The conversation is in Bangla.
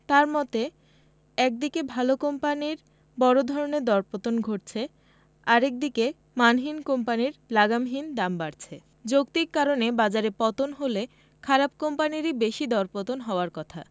তাঁর মতে একদিকে ভালো কোম্পানির বড় ধরনের দরপতন ঘটছে আরেক দিকে মানহীন কোম্পানির লাগামহীন দাম বাড়ছে যৌক্তিক কারণে বাজারে পতন হলে খারাপ কোম্পানিরই বেশি দরপতন হওয়ার কথা